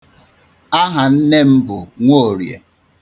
Aha nne m bụ Nwoorie.